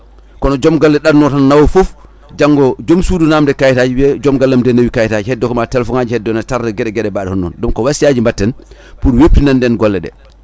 kono joom galle ɗanno tan nawa foof janggo joom suudu namde kayitaji wiiya joom gallam de nawi kayitaji heddo ma téléphone heddo ne tarda e gueɗe gueɗe mbaɗe hono noon donc ko wasiyaji batten pour hebtinande en golle ɗe